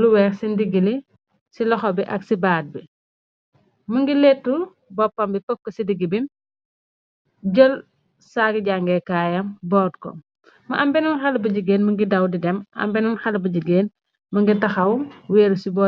lu weex ci ndigg li, ci loxo bi ak ci baat bi, më ngi lettu boppam bi poff ko ci digg bi, jël saggi jangeekaayam boot ko, më am benne xale bu jigeen më ngi daw di dem, am benne xale bu jigeen më nga taxaw wéeru ci boor.